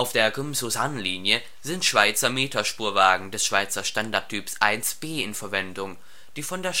der Kŭmsusan-Linie sind Schweizer Meterspur-Wagen des Schweizer Standardtyps Ib in Verwendung, die von der